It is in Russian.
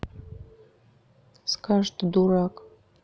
скажешь ты дурак